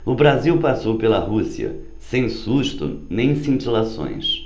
o brasil passou pela rússia sem sustos nem cintilações